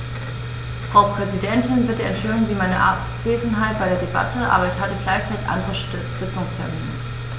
Frau Präsidentin, bitte entschuldigen Sie meine Abwesenheit bei der Debatte, aber ich hatte gleichzeitig andere Sitzungstermine.